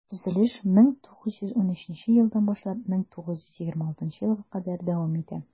Төзелеш 1913 елдан башлап 1926 елга кадәр дәвам итә.